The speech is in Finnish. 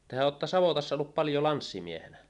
tehän olette savotassa ollut paljon lanssimiehenä